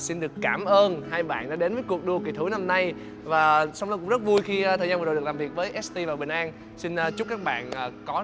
xin được cảm ơn hai bạn đã đến với cuộc đua kỳ thú năm nay và song luân cũng rất vui khi thời gian vừa rồi được làm việc với é ti và bình an xin chúc các bạn có